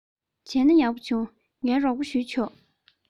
བྱས ན ཡག པོ བྱུང ངས རོགས པ བྱས ཆོག